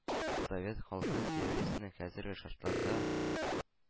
«совет халкы» теориясенең хәзерге шартларда